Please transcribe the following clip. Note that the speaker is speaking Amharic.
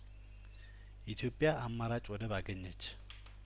ኢትዮጵያ አማራጭ ወደብ አገኘች